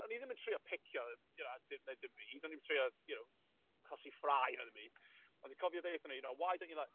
O'n i ddim yn trio picio, you know, d- na dim byd. O'n i'm yn trio, you know, achosi ffrae na ddim byd. Ond dwi'n cofio deud wrthyn nhw, you know "Why don't you li-"...